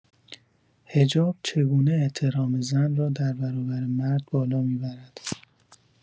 حجاب چگونه احترام زن را در برابر مرد بالا می‌برد؟